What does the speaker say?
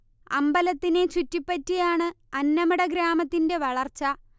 അമ്പലത്തിനെ ചുറ്റിപ്പറ്റിയാണ് അന്നമട ഗ്രാമത്തിന്റെ വളർച്ച